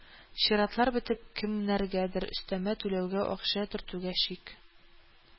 Чиратлар бетеп, кемнәргәдер өстәмә түләүгә акча төртүгә чик